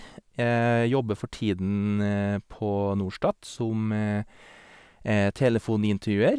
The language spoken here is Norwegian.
Jobber for tiden på Norstat som telefonintervjuer.